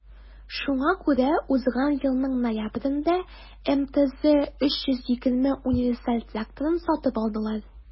Шуңа күрә узган елның ноябрендә МТЗ 320 универсаль тракторын сатып алдылар.